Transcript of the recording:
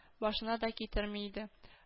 Башына да китерми иде